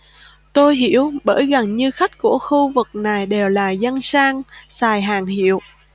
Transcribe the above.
tôi hiểu bởi gần như khách của khu vực này đều là dân sang xài hàng hiệu